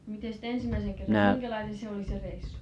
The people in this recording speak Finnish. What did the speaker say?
mitenkäs te ensimmäisen kerran minkälainen se oli se reissu